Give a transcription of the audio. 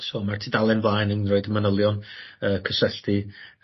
So ma'r tudalen flaen yn roid manylion yy cysylltu.